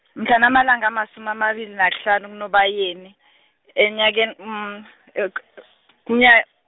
mhlana amalanga amasumi amabili nahlanu kuNobayeni, enyakeni umnya-.